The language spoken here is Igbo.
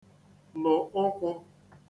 lụ̀ ụkwụ̄